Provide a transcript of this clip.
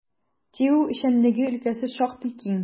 ТИҮ эшчәнлеге өлкәсе шактый киң.